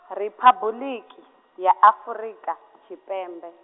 Riphabuḽiki, ya Afrika, Tshipembe.